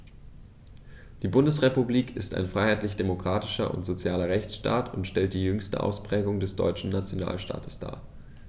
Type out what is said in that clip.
Die Bundesrepublik ist ein freiheitlich-demokratischer und sozialer Rechtsstaat und stellt die jüngste Ausprägung des deutschen Nationalstaates dar.